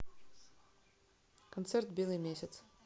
концерт белый месяц